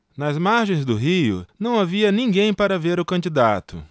nas margens do rio não havia ninguém para ver o candidato